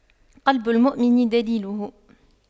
قلب المؤمن دليله